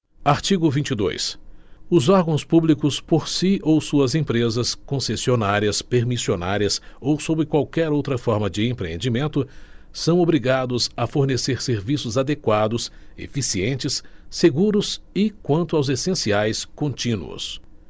artigo vinte dois os órgãos públicos por si ou suas empresas concessionárias permissionárias ou sob qualquer outra forma de empreendimento são obrigados a fornecer serviços adequados eficientes seguros e quanto aos essenciais contínuos